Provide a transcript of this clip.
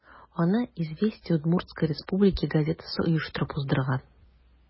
Аны «Известия Удмуртсткой Республики» газетасы оештырып уздырган.